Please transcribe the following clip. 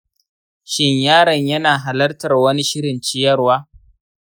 shin yaron yana halartar wani shirin ciyarwa?